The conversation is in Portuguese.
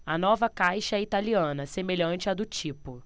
a nova caixa é italiana semelhante à do tipo